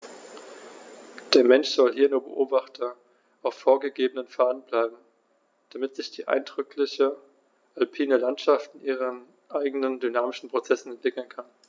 Der Mensch soll hier nur Beobachter auf vorgegebenen Pfaden bleiben, damit sich die eindrückliche alpine Landschaft in ihren eigenen dynamischen Prozessen entwickeln kann.